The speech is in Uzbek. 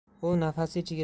u nafasi ichiga